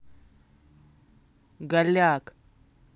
голяк